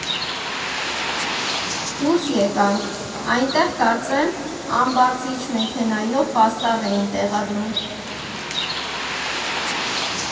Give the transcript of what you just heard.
Դուրս եկանք, այնտեղ, կարծեմ, ամբարձիչ մեքենայով պաստառ էին տեղադրում։